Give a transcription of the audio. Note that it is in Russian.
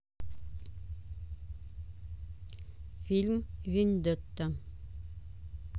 фильм вендетта